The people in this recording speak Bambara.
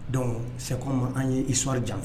Don seko ma an ye iɔriri jan